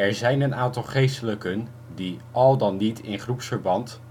zijn een aantal geestelijken die - al dan niet in groepsverband